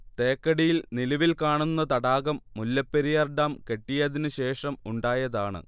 തേക്കടിയിൽ നിലവിൽ കാണുന്ന തടാകം മുല്ലപ്പെരിയാർ ഡാം കെട്ടിയതിന് ശേഷം ഉണ്ടായതാണ്